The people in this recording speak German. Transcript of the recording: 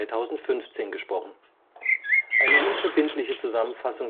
Lorettosteg Lendcanaltramway